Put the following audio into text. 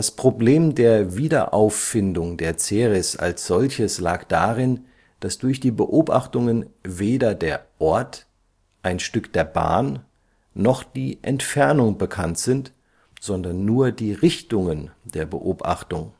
Problem der Wiederauffindung der Ceres als solches lag darin, dass durch die Beobachtungen weder der Ort, ein Stück der Bahn, noch die Entfernung bekannt sind, sondern nur die Richtungen der Beobachtung